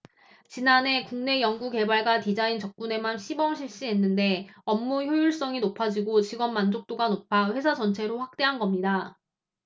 지난해 국내 연구개발과 디자인 직군에만 시범 실시했는데 업무 효율성이 높아지고 직원 만족도가 높아 회사 전체로 확대한 겁니다